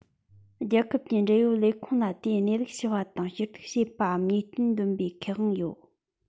རྒྱལ ཁབ ཀྱི འབྲེལ ཡོད ལས ཁུངས ལ དེའི གནས ལུགས ཞུ བ དང ཞུ གཏུག བྱེད པའམ ཉེས སྐྱོན འདོན པའི ཁེ དབང ཡོད